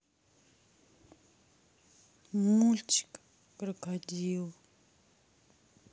мультик крокодил